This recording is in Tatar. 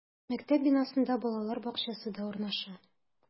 Мәктәп бинасында балалар бакчасы да урнаша.